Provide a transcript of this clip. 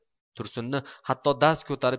tursunni hatto dast ko'tarib